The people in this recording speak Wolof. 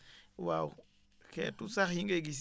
waaw xeetu sax yi ngay gis